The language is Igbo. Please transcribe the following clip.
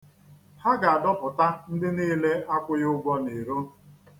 Ha ga-adọpụta ndị niile akwụghị ụgwọ n'iro.